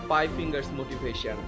pi fingers motivation